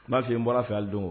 M'a f'i ye n bɔra fɛ ye hali doŋo